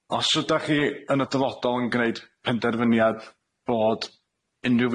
Os ydach chi yn y dyfodol yn gneud penderfyniad bod unryw